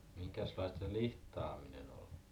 minkäslaista se lihtaaminen oli